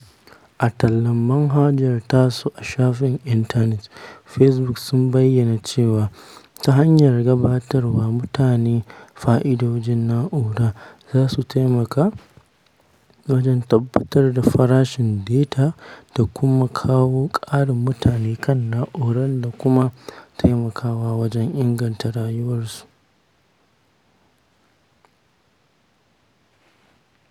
A tallan manhajar tasu a shafin intanet, Facebook sun bayyana cewa "[ta hanyar] gabatarwa mutane fa'idojin na'ura", za su taimaka wajen tabbatar da farashin Data da kuma "kawo ƙarin mutane kan na'ura da kuma taimakawa wajen inganta rayuwarsu."